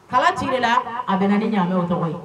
Kala ci la a bɛna ni ɲa o tɔgɔ ye